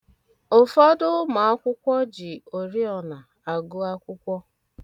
Ụfọdụ ụmụ akwụkwọ ji oriọna agụ akwụkwọ.